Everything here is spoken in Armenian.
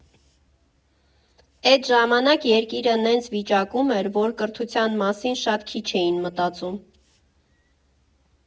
Էդ ժամանակ երկիրը նենց վիճակում էր, որ կրթության մասին շատ քիչ էին մտածում.